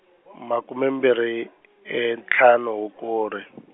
makume mbirhi ntlhanu hukuri.